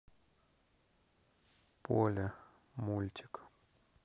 поле мультик